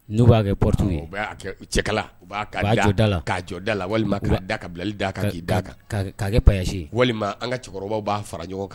N'u b'a kɛ ptu u bɛ'a cɛkala u b'a jɔ da la k'a jɔ da la walima da ka bilali da kan da kan' kɛ pasi walima an ka cɛkɔrɔba b'a fara ɲɔgɔn kan